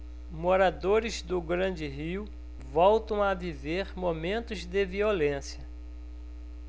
moradores do grande rio voltam a viver momentos de violência